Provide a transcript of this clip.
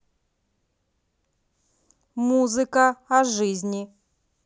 музыка о жизни